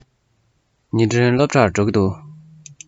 ཉི སྒྲོན སློབ གྲྭར འགྲོ གི འདུག